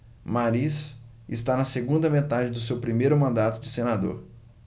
mariz está na segunda metade do seu primeiro mandato de senador